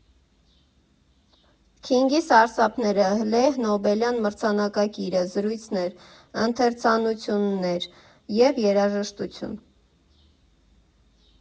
Քինգի սարսափները, լեհ նոբելյան մրցանակակիրը, զրույցներ, ընթերցանություններ և երաժշտություն.